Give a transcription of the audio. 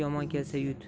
yomon kelsa yut